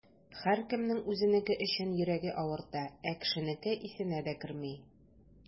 Һәркемнең үзенеке өчен йөрәге авырта, ә кешенеке исенә дә керми.